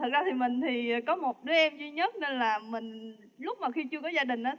thật ra thì mình thì có một đứa em duy nhất nên là mình lúc mà khi chưa có gia đình